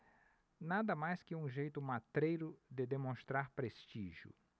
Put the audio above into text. nada mais que um jeito matreiro de demonstrar prestígio